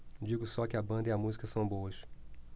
digo só que a banda e a música são boas